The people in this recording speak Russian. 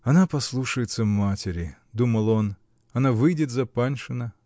"Она послушается матери, -- думал он, -- она выйдет за Паншина